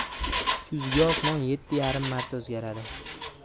kuzgi osmon yetti yarim marta o'zgaradi